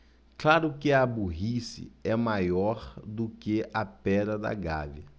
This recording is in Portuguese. claro que a burrice é maior do que a pedra da gávea